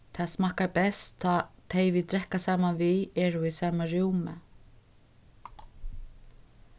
tað smakkar best tá tey vit drekka saman við eru í sama rúmi